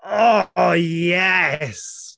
Oh yes!